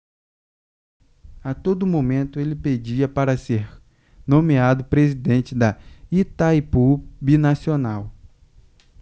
a todo momento ele pedia para ser nomeado presidente de itaipu binacional